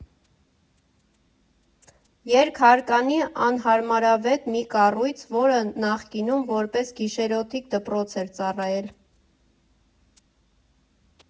Երկհարկանի անհարմարավետ մի կառույց, որ նախկինում որպես գիշերօթիկ դպրոց էր ծառայել։